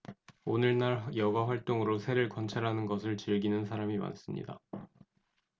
오늘날 여가 활동으로 새를 관찰하는 것을 즐기는 사람이 많습니다